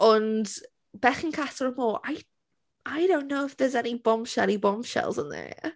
Ond, bechgyn Casa Amor, I I don't know if there's any bombshelly bombshells in there.